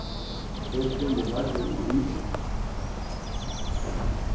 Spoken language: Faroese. eg spyrji nærri um bilin